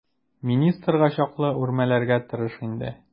Министрга чаклы үрмәләргә тырыш инде.